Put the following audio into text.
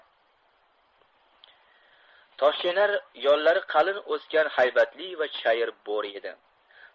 toshchaynar yollari qalin o'sgan haybatli va chayir bo'ri edi